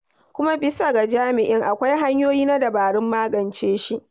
Kuma, bisa ga jami'in, akwai hanyoyi da dabarun magance shi.